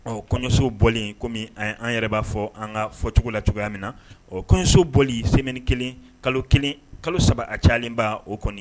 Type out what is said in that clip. Ɔ kɔɲɔso boli kɔmi an an yɛrɛ b'a fɔ an ka fɔcogo la cogoya min na, ɔ kɔɲɔso boli semaine kelen, kalo kelen; kalo saba a cayalenba, o kɔni